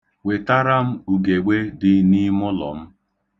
Wetara m ugegbe dị n'imụlọ m.